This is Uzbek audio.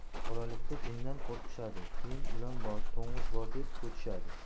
bolalikda jindan qo'rqishadi keyin ilon bor to'ng'iz bor deb cho'chishadi